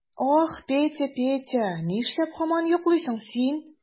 Ах, Петя, Петя, нишләп һаман йоклыйсың син?